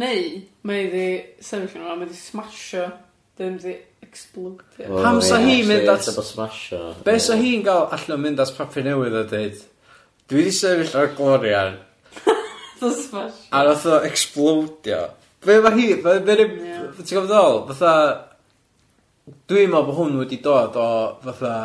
Neu, ma' 'i 'di sefyll arno fo a ma' 'di smashio, dim 'di ecsblowdio. Wel . Pam sa hi'n mynd at...? Nath o smashio. Be' sa hi'n gal allan o mynd at papur newydd a deud, dw i 'di sefyll ar glorain... Nath o smashio. ...a nath o ecsblowdio. Be' ma hi be' di'r... Ia. ...ti'n gwbo be' dw i feddwl, fatha, dw i'n meddwl bo hwn wedi dod o fatha...